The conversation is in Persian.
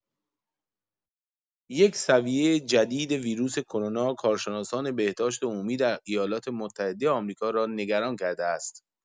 یک‌سویه جدید ویروس کرونا کارشناسان بهداشت عمومی در ایالات‌متحده آمریکا را نگران کرده است.